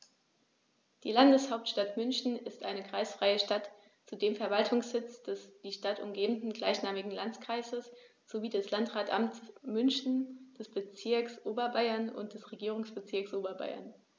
Die Landeshauptstadt München ist eine kreisfreie Stadt, zudem Verwaltungssitz des die Stadt umgebenden gleichnamigen Landkreises sowie des Landratsamtes München, des Bezirks Oberbayern und des Regierungsbezirks Oberbayern.